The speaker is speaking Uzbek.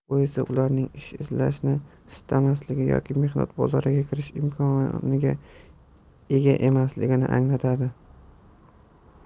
bu esa ularning ish izlashni istamasligi yoki mehnat bozoriga kirish imkoniga ega emasligini anglatadi